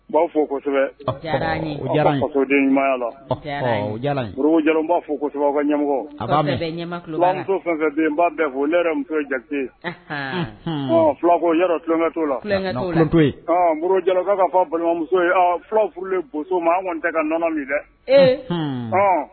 U b' fɔ'asɛbɛmɔgɔa fo ne ja fulakolokɛ to la ka fɔ balimamuso fulaw furu ma tɛ kaɔnɔ min dɛ